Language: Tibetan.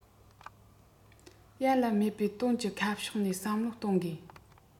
ཡར ལ སྨད པའི དོན གྱི ཁ ཕྱོགས ནས བསམ བློ གཏོང དགོས